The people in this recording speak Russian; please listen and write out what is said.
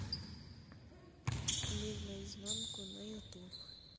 мир наизнанку на ютуб